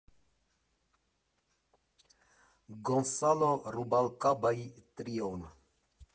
Գոնսալո Ռուբալկաբայի տրիոն։